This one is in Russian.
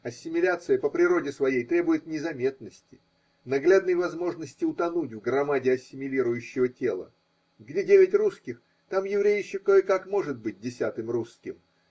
Ассимиляция по природе своей требует незаметности, наглядной возможности утонуть в громаде ассимилирующего тела: где девять русских, там еврей еще кое-как может быть десятым русским